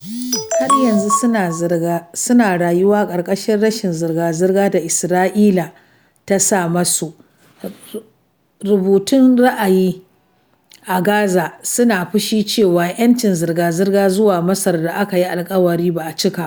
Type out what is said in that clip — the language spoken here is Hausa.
Kowa na farin ciki game da buɗe iyaka ɗaya tilo a hukumance tsakanin Zirin Gaza da Masar; ni kaina ba ƙaramin farin cikin nake ba.